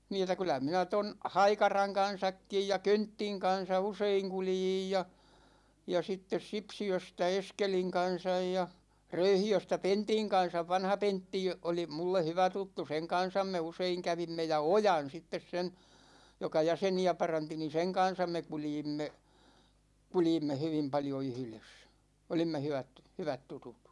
niin että kyllä minä tuon Haikaran kanssakin ja Köntin kanssa usein kuljin ja ja sitten Sipsiöstä Eskelin kanssa ja Röyhiöstä Pentin kanssa vanha Pentti oli minulle hyvä tuttu sen kanssa me usein kävimme ja Ojan sitten sen joka jäseniä paransi niin sen kanssa me kuljimme kuljimme hyvin paljon yhdessä olimme hyvät hyvät tutut